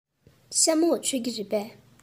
ཤ མོག མཆོད ཀྱི རེད པས